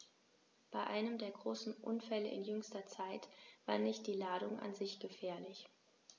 Bei einem der großen Unfälle in jüngster Zeit war nicht die Ladung an sich gefährlich.